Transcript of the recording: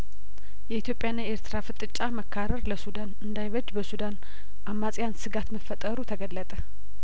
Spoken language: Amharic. የኢትዮጵያ ና የኤርትራ ፍጥጫ መካረር ለሱዳን እንዳይበጅ በሱዳን አማጺያን ስጋት መፈጠሩ ተገለጠ